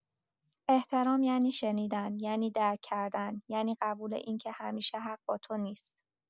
احترام یعنی شنیدن، یعنی درک‌کردن، یعنی قبول این که همیشه حق با تو نیست.